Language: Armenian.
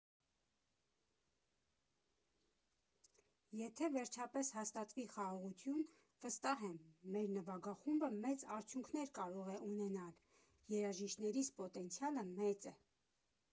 Եթե վերջապես հաստատվի խաղաղություն, վստահ եմ՝ մեր նվագախումբը մեծ արդյունքներ կարող է ունենալ, երաժիշտներիս պոտենցիալը մեծ է։